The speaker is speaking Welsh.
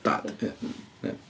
Dad. Ia, ia.